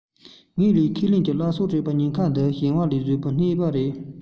ངལ ལས ཁེ ལས ཀྱིས གླ ཕོགས སྤྲད པ ཉེན ཁ འདི ཞིང པ ལས བཟོ པ ལ བསྣན པ རེད